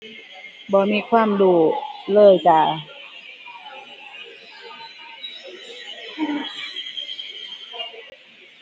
บ่มีความรู้เลยจ้า